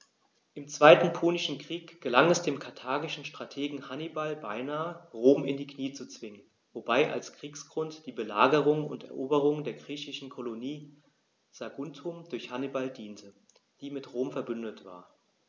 Im Zweiten Punischen Krieg gelang es dem karthagischen Strategen Hannibal beinahe, Rom in die Knie zu zwingen, wobei als Kriegsgrund die Belagerung und Eroberung der griechischen Kolonie Saguntum durch Hannibal diente, die mit Rom „verbündet“ war.